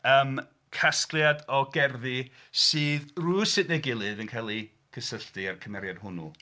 Yym casgliad o gerddi sydd rhyw sut neu gilydd yn cael eu gysylltu a'r cymeriad hwnnw.